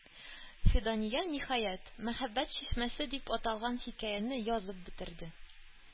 Фидания, ниһаять, "Мәхәббәт чишмәсе" дип аталган хикәяне язып бетерде.